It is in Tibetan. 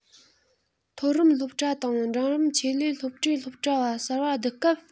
མཐོ རིམ སློབ གྲྭ དང འབྲིང རིམ ཆེད ལས སློབ གྲྭས སློབ གྲྭ བ གསར པ སྡུད སྐབས